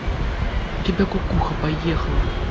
у тебя кукуха поехала